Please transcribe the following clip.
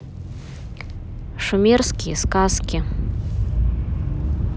шумерские сказки